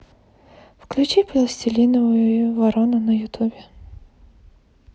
включи пластилиновую ворону на ютубе